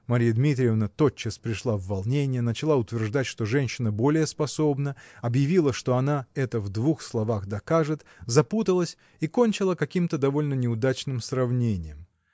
Марья Дмитриевна тотчас пришла в волненье, начала утверждать, что женщина более способна, объявила, что она это в двух словах докажет, запуталась и кончила каким-то довольно неудачным сравнением.